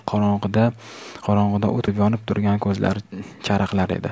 qorong'ida o't bo'lib yonib turgan ko'zlari charaqlar edi